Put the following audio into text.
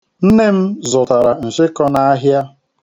Nne m zụtara nshịkọ n'ahịa.